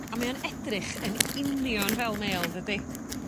A mae o'n edrych yn union fel mêl yndydi?